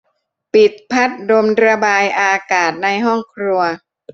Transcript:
ปิดพัดลมระบายอากาศในห้องครัว